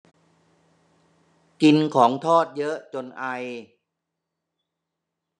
กินของทอดเยอะจนไอ